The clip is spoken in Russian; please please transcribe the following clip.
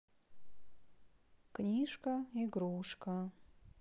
книжка игрушка